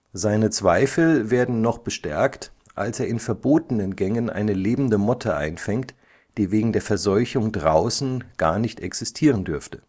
Seine Zweifel werden noch bestärkt, als er in verbotenen Gängen eine lebende Motte einfängt, die wegen der Verseuchung draußen gar nicht existieren dürfte